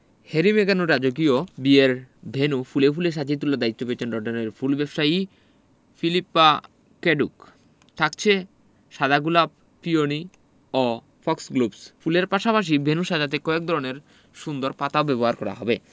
Harry মেগানের রাজকীয় বিয়ের ভেন্যু ফুলে ফুলে সাজিয়ে তোলার দায়িত্ব পেয়েছেন লন্ডনের ফুল ব্যবসায়ী ফিলিপ্পা ক্র্যাডোক থাকছে সাদা গোলাপ পিওনি ও ফক্সগ্লোভস ফুলের পাশাপাশি ভেন্যু সাজাতে কয়েক ধরনের সুন্দর পাতাও ব্যবহার করা হবে